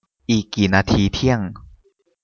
อีกกี่นาทีเที่ยง